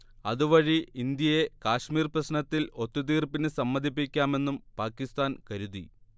അതുവഴി ഇന്ത്യയെ കാശ്മീർ പ്രശ്നത്തിൽ ഒത്തുതീർപ്പിനു സമ്മതിപ്പിക്കാം എന്നും പാകിസ്താൻ കരുതി